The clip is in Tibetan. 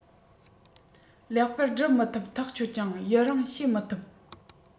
ལེགས པར སྒྲུབ མི ཐུབ ཐག ཆོད ཀྱང ཡུན རིང བྱེད མི ཐུབ